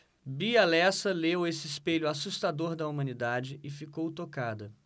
bia lessa leu esse espelho assustador da humanidade e ficou tocada